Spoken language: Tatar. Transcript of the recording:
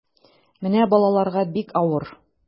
Менә балаларга бик авыр.